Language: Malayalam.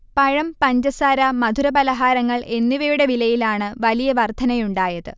പഴം, പഞ്ചസാര, മധുര പലഹാരങ്ങൾ എന്നിവയുടെ വിലയിലാണ് വലിയ വർധനയുണ്ടായത്